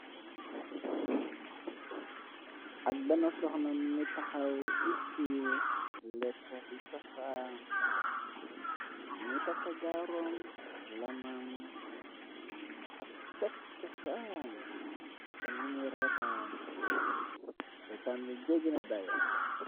Ak benna soxna mugi taxaw dutti lekkati chosaan mugi takka jaarom lamam ak cakk chosaan te mugi retan retaan bi jeggina dayor.